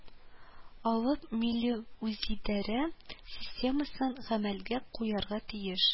Алып, милли үзидарә системасын гамәлгә куярга тиеш;